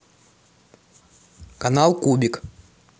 канал кубик